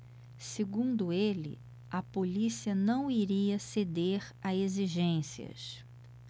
segundo ele a polícia não iria ceder a exigências